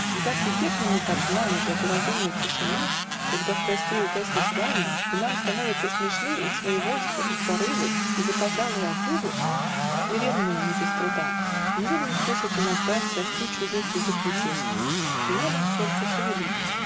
Когда прибегнем мы под знамя Благоразумной тишины, Когда страстей угаснет пламя, И нам становятся смешны Их своевольство иль порывы И запоздалые отзывы, - Смиренные не без труда, Мы любим слушать иногда Страстей чужих язык мятежный, И нам он сердце шевелит.